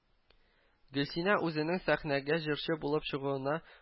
Гөлсинә үзенең сәхнәгә җырчы булып чыгуына